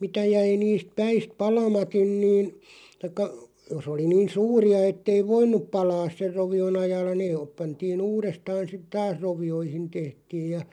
mitä jäi niistä päistä palamatta niin tai jos oli niin suuria että ei voinut palaa sen rovion ajalla ne - pantiin uudestaan sitten taas rovioihin tehtiin ja